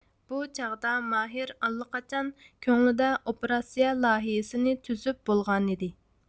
بۇ چاغدا ماھىر ئاللىقاچان كۆڭلىدە ئوپېراتسىيە لايىھىسىنى تۈزۈپ بولغانىدى